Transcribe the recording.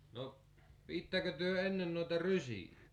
no pidittekö te ennen noita rysiä